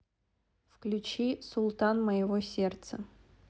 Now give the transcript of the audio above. включи султан моего сердца